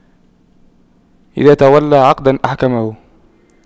إذا تولى عقداً أحكمه